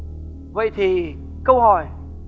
vậy thì câu hỏi